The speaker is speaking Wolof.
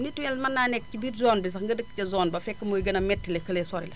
mutuel mën naa nekk ci biir zone bi sax nga dëkk sa zone ba mooy gën a metile kële sori la